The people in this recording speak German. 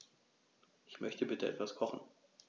Ich möchte bitte etwas kochen.